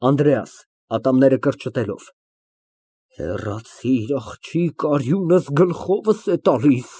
ԱՆԴՐԵԱՍ ֊ (Ատամները կրճտելով) Հեռացիր, աղջի, արյունս գլուխս է տալիս։